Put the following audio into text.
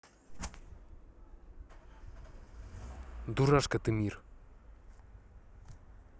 дурашка ты мир